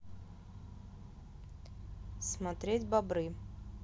смотреть бобры